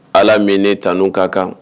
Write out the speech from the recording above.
Ala min ni tanun ka kan.